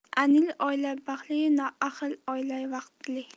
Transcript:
anil oila baxtli noahil oila vaqtli